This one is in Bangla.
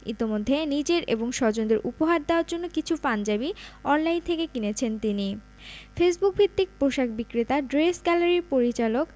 ইতিমধ্যে নিজের এবং স্বজনদের উপহার দেওয়ার জন্য কিছু পাঞ্জাবি অনলাইন থেকে কিনেছেন তিনি ফেসবুকভিত্তিক পোশাক বিক্রেতা ড্রেস গ্যালারির পরিচালক